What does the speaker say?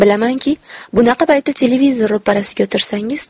bilamanki bunaqa paytda televizor ro'parasiga o'tirsangiz